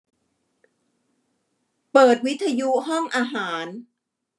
เปิดวิทยุห้องอาหาร